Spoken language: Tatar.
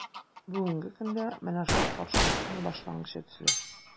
Бүгенге көндә – менә шул каршылыкның башлангычы төсле.